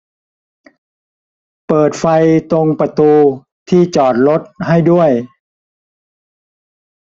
เปิดไฟตรงประตูที่จอดรถให้ด้วย